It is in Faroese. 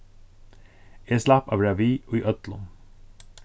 eg slapp at vera við í øllum